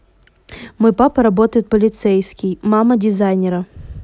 мой папа работает полицейский мама дизайнера